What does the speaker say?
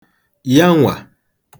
yanwà